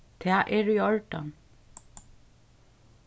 tað er í ordan